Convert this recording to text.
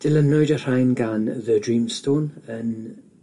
Dilynwyd y rhain gan The Dreamstone yn